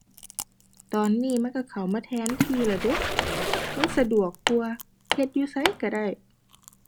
ตอนนี้มันก็เข้ามาแทนที่ละเดะ มันสะดวกกว่า เฮ็ดอยู่ไสก็ได้